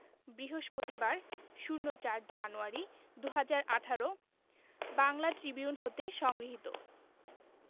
বৃহস্পতিবার ০৪ January ২০১৮ Bangla Tribune হতে সংগৃহীত